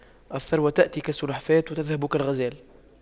الثروة تأتي كالسلحفاة وتذهب كالغزال